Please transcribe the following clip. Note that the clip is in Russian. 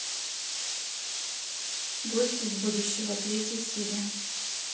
гости из будущего третья серия